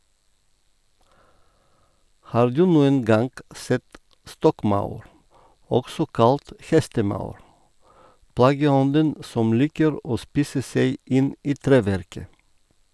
Har du noen gang sett stokkmaur, også kalt hestemaur, plageånden som liker å spise seg inn i treverket?